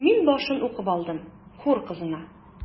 Мин башын укып алдым: “Хур кызына”.